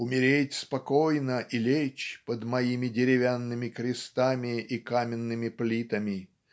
умереть спокойно и лечь под моими деревянными крестами и каменными плитами?